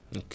ok